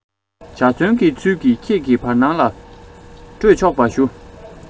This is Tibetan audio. འཇའ ཚོན གྱི ཚུལ གྱིས ཁྱེད ཀྱི བར སྣང ལ སྤྲོས ཆོག པར ཞུ